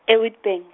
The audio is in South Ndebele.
e- Witban-.